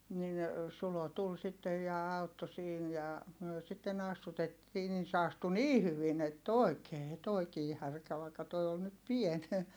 niin Sulo tuli sitten ja auttoi siinä ja me sitten astutettiin niin se astui niin hyvin että oikein tuokin härkä vaikka tuo on nyt pieni